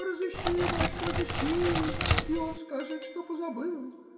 — Разыщи, бачка, разыщи; и он скажет, что позабыл.